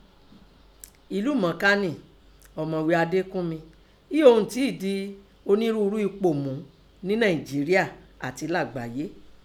Èlúmọ̀ọ́ká nẹ Ọ̀mọ̀ghé Adékúnmi, ioun tẹ di onírúurú ẹpò mú nẹẹ Nàìnjéríà àti lágbàyé.